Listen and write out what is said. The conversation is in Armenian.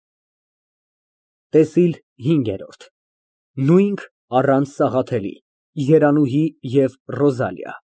ՏԵՍԻԼ ՀԻՆԳԵՐՈՐԴ ՆՈՒՅՆՔ ԱՌԱՆՑ ՍԱՂԱԹԵԼԻ, ԵՐԱՆՈՒՀԻ ԵՎ ՌՈԶԱԼԻԱ։